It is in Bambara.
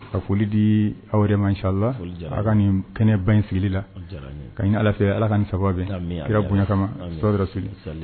A foli di aw manc la ala ka nin kɛnɛba in fili la ka ɲi ala fɛ ala ka nin saba bɛra bonyaɲa kama seli